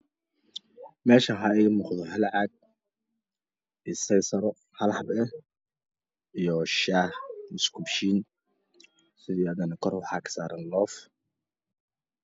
Meeshaan waxa eega muuqda hal caag iyo seesaro hal xabo Ah iyo shaah Ama koboshiin